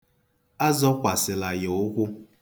Azọkwasịla ya ụkwụ.